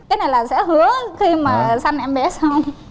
cái này là sẽ hứa khi mà sanh em bé xong